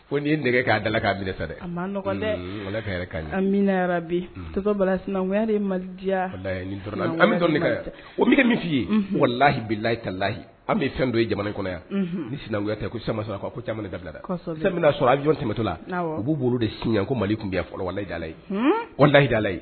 Ko n ye nɛgɛ k'a da k'a ne fɛ dɛ' ɲɛ anmina bi bala sinainakuya mali o mi min' ye wa lahilayi kalayi an bɛ fɛn don ye jamana kɔnɔ yan ni sinaninakuya ko sama sɔrɔ ko jamana dada sa sɔrɔ a jɔn tetɔ la u b'u bolo de si ko mali tunya fɔlɔ walaye wa lahila ye